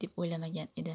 deb o'ylamagan edi